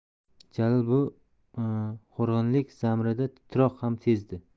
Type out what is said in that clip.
jalil bu horg'inlik zamirida titroq ham sezdi